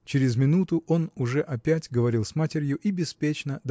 Через минуту он уже опять говорил с матерью и беспечно